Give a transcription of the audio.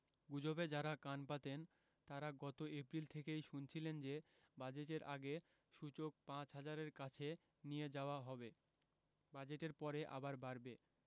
গুজবে যাঁরা কান পাতেন তাঁরা গত এপ্রিল থেকেই শুনছিলেন যে বাজেটের আগে সূচক ৫ হাজারের কাছে নিয়ে যাওয়া হবে বাজেটের পরে আবার বাড়বে